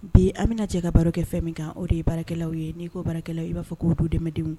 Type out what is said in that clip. Bi an bɛna jɛn ka baro kɛ fɛn min kan o de ye baarakɛlaw ye, n'i ko baarakɛlaw i b'a fɔ ko du dɛmɛdenw.